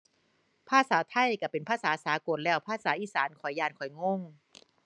ภาษาไทยก็เป็นภาษาสากลแล้ว ภาษาอีสานข้อยย้านข้อยงง